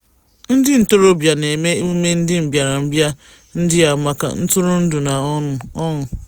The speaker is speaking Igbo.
Ndị ntorobịa na-eme emume ndị mbịarambịa ndị a maka ntụrụndụ na ọṅụ.